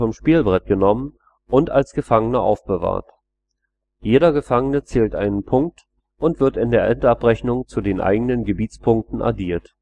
Spielbrett genommen und als Gefangene aufbewahrt. Jeder Gefangene zählt einen Punkt und wird in der Endabrechnung zu den eigenen Gebietspunkten addiert